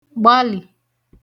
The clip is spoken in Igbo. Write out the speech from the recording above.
gbalị̀